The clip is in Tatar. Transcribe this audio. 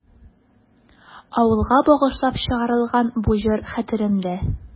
Авылга багышлап чыгарылган бу җыр хәтеремдә.